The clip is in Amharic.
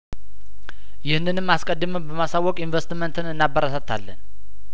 ይህንንም አስቀድመን በማሳወቅ ኢንቨስትመንትን እና በረታታለን